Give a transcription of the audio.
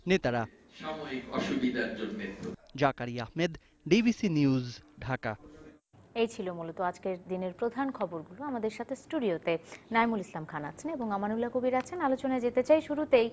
নেতারা সাময়িক অসুবিধার জন্য জাকারিয়া আহমেদ ডিবিসি নিউজ ঢাকা এই ছিল মূলত আজকের দিনের প্রধান খবর গুলো আমাদের সাথে স্টুডিওতে নাঈমুল ইসলাম খান আছেন এবং আমানুল্লাহ কবীর আছেন আলোচনায় যেতে চাই শুরুতেই